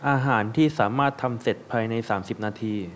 อาหารที่สามารถทำเสร็จภายในสามสิบนาที